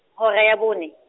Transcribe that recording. hora ya bone.